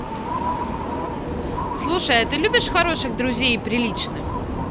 слушай а ты любишь хороших друзей и приличных